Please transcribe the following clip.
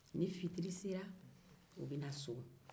ni fitiri se la u bɛ na so